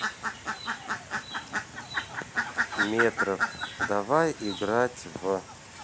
метров давай играть в